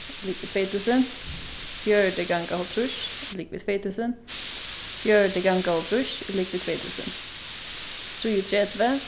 ligvið tvey túsund fjøruti ganga hálvtrýss er ligvið tvey túsund fjøruti ganga hálvtrýss er ligvið tvey túsund trýogtretivu